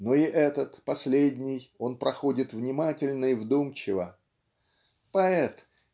но и этот последний он проходит внимательно и вдумчиво. Поэт